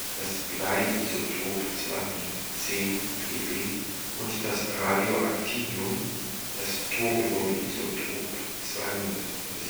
das Bleiisotop 210Pb) und Radioactinium (das Thoriumisotop 227Th